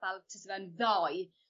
fel tyse fe'n ddoe